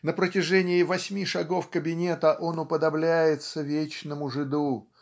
На протяжении восьми шагов кабинета он уподобляется Вечному Жиду.